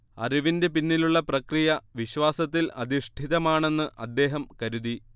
അറിവിന്റെ പിന്നിലുള്ള പ്രക്രിയ, വിശ്വാസത്തിൽ അധിഷ്ഠിതമാണെന്ന് അദ്ദേഹം കരുതി